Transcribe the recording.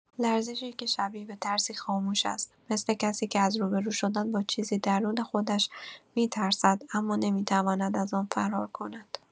لرزشی که شبیه به ترسی خاموش است، مثل کسی که از روبه‌رو شدن با چیزی درون خودش می‌ترسد اما نمی‌تواند از آن فرار کند.